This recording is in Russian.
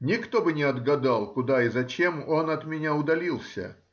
Никто бы не отгадал, куда и зачем он от меня удалился.